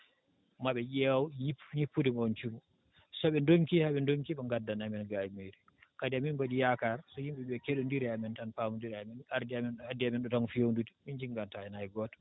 maa ɓe ƴeew ñip ñippude ngoon cumo so ɓe ndonkii haa ɓe ndonkii ɓe ngaddana amen gaay e mairie kadi amin mbaɗi yaakar so yimɓe ɓee keɗonndirii e amen tan paamonndirat e amen ardi amen addi amen tan ko feewnude min njinngantaa heen hay gooto